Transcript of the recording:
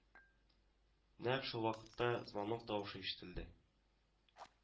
Нәкъ шул вакытта звонок тавышы ишетелде